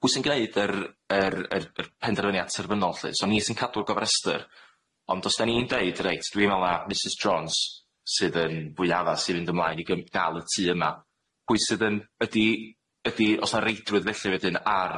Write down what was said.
Pwy s'yn gneud yr yr yr y penderfyniad terfynol lly so ni sy'n cadw'r gofrestyr ond os dan ni'n deud reit dwi me'wl ma' Mrs Jones sydd yn fwyafas i fynd ymlaen i gym- ga'l y tŷ yma pwys sydd yn ydi ydi os na reidrwydd felly wedyn ar